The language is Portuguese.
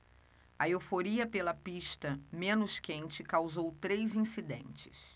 a euforia pela pista menos quente causou três incidentes